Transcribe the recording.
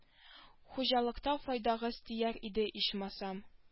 Хуҗалыкта файдагыз тияр иде ичмасам